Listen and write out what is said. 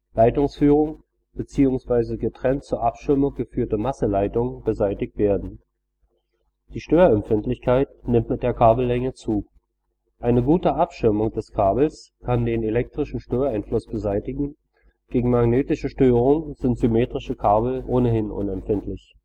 Leitungsführung bzw. getrennt zur Abschirmung geführte Masseleitungen beseitigt werden. Die Störempfindlichkeit nimmt mit der Kabellänge zu. Eine gute Abschirmung des Kabels kann den elektrischen Störeinfluss beseitigen, gegen magnetische Störungen sind symmetrische Kabel ohnehin unempfindlich